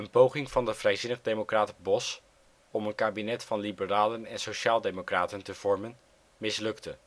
poging van de vrijzinnig-democraat Bos om een kabinet van liberalen en sociaal-democraten te vormen, mislukte